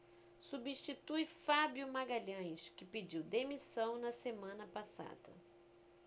substitui fábio magalhães que pediu demissão na semana passada